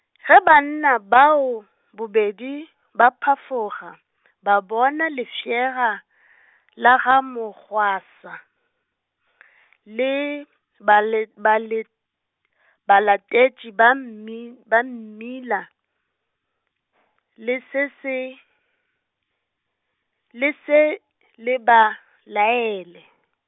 ge banna bao bobedi ba phafoga , ba bona lefšega , la ga Mogwaša , le ba le ba le, bataletše ba mmi-, ba mmila , le se se, le se le ba, laele.